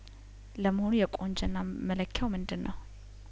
ለመሆኑ የቁንጅና መለኪያውምንድነው